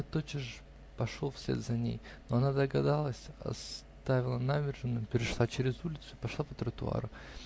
Я тотчас же пошел вслед за ней, но она догадалась, оставила набережную, перешла через улицу и пошла по тротуару.